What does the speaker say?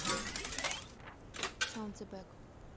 sound the bag